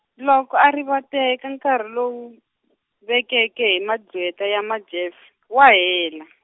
loko a rivateka nkarhi lowu, vekeke hi maqhweta ya Majeff wa hela.